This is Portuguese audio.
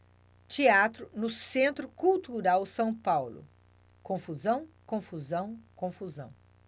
teatro no centro cultural são paulo confusão confusão confusão